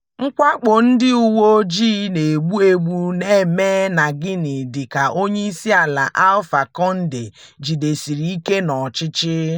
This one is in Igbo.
Mwakpo ndị uwe ojii na-egbu egbu na-eme na Guinea dị ka onyeisiala Alpha Condé jidesiri ike n'ọchịchị